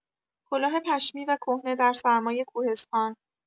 کلاه پشمی و کهنه در سرمای کوهستان